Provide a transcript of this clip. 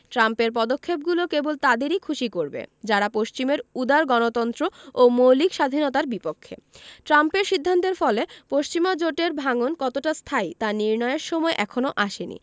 ট্রাম্পের পদক্ষেপগুলো কেবল তাদেরই খুশি করবে যারা পশ্চিমের উদার গণতন্ত্র ও মৌলিক স্বাধীনতার বিপক্ষে ট্রাম্পের সিদ্ধান্তের ফলে পশ্চিমা জোটের ভাঙন কতটা স্থায়ী তা নির্ণয়ের সময় এখনো আসেনি